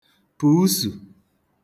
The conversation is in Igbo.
pùusù